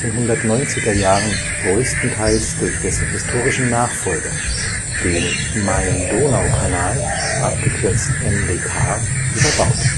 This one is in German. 1990er Jahren größtenteils durch dessen historischen Nachfolger, den Main-Donau-Kanal (MDK), überbaut